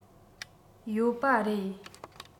ཡོད པ རེད